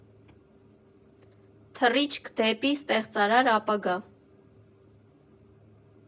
Թռիչք դեպի ստեղծարար ապագա։